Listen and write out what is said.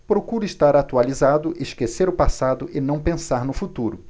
procuro estar atualizado esquecer o passado e não pensar no futuro